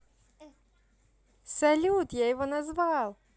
салют я его назвал